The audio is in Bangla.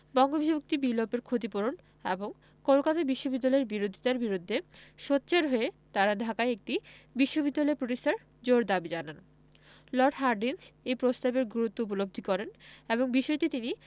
বঙ্গবিভক্তি বিলোপের ক্ষতিপূরণ এবং কলকাতা বিশ্ববিদ্যালয়ের বিরোধিতার বিরুদ্ধে সোচ্চার হয়ে তারা ঢাকায় একটি বিশ্ববিদ্যালয় প্রতিষ্ঠার জোর দাবি জানান লর্ড হার্ডিঞ্জ এ প্রস্তাবের গুরুত্ব উপলব্ধি করেন এবং বিষয়টি তিনি